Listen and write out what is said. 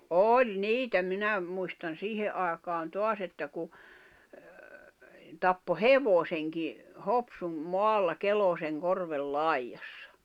oli niitä minä muistan siihen aikaan taas että kun tappoi hevosenkin Hopsun maalla Kelosenkorven laidassa